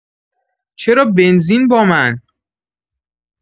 چرا بنزین با من؟